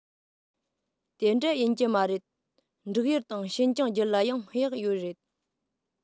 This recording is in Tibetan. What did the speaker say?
དེ འདྲ ཡིན གྱི མ རེད འབྲུག ཡུལ དང ཤིན ཅང རྒྱུད ལ ཡང གཡག ཡོད རེད